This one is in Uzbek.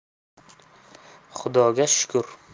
xudoga shukur